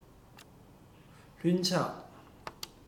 ལྷུན ཆགས